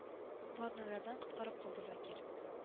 Блатнойлардан коткарып калды закир